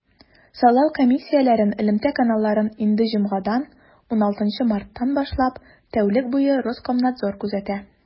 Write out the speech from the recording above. Сайлау комиссияләрен элемтә каналларын инде җомгадан, 16 марттан башлап, тәүлек буе Роскомнадзор күзәтә.